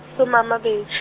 soma mabedi.